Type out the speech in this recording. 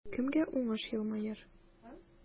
Кемгә уңыш елмаер?